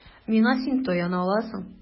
Миңа син таяна аласың.